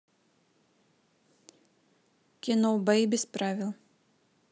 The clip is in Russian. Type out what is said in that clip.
кино бои без правил